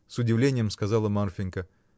— с удивлением сказала Марфинька.